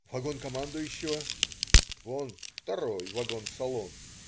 "Вагон командующего?" - "Вон, второй вагон-салон.